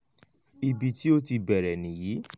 Ibi ti o ti bẹrẹ niyi.